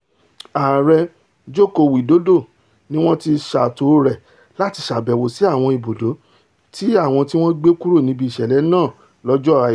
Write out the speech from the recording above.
Ààrẹ Joko Widodo ni wọ́n ti ṣààtò rẹ̀ láti ṣàbẹ̀wò sí àwọn ibùdó tí àwọn tíwọn gbé kuro níbi ìṣẹ̀lẹ̀ náà lọ́jọ́ Àìkú.